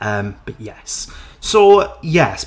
Yym, but yes. So, yes.